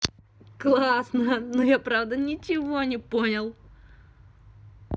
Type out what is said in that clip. классно но правда я ничего не понял